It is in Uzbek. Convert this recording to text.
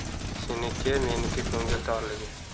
seniki meniki ko'ngil torligi